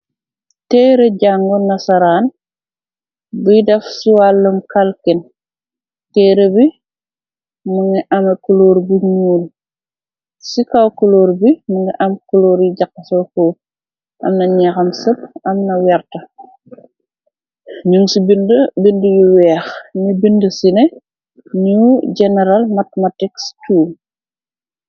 Teereh jàngu nasaraan bi doh ci wàlum kalken. Teereh bi më nga ame kuloor bu ñuul. Ci kaw kuloor bi më nga am koloor yi jàqhaso fuf. Amna ñeeham sëp, am na vert ñung ci bindi, bindi yu weeh. nu bindi sinè new general mathematic school.